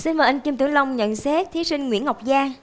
xin mời anh kim tử long nhận xét thí sinh nguyễn ngọc giang